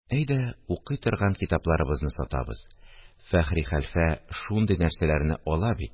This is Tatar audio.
– әйдә, укый торган китапларыбызны сатабыз, фәхри хәлфә шундый нәрсәләрне ала бит